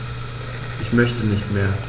Ich möchte nicht mehr.